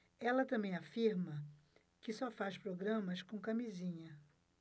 ela também afirma que só faz programas com camisinha